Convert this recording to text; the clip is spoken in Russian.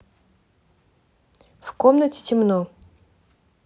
в комнате темно